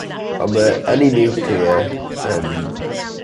Wel ma' ynni niwclear yn